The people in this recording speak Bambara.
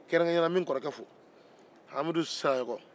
kɛrɛnkɛrɛnnenya la n bɛ n kɔrɔkɔkɛ fo hamidu sinayoko